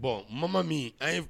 Bɔn mama min a ye